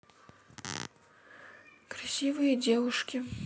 красивые девушки